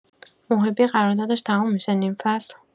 محبی قراردادش تموم می‌شه نیم‌فصل؟